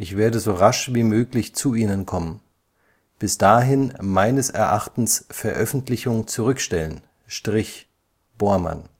werde so rasch wie möglich zu Ihnen kommen. Bis dahin meines Erachtens Veröffentlichung zurückzustellen – Bormann